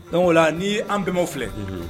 Don o ola ni' an bɛn filɛ